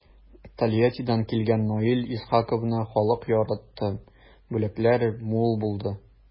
Тольяттидан килгән Наил Исхаковны халык яратты, бүләкләр мул булды.